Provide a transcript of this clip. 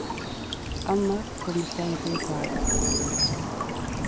anna kom í staðin fyri káru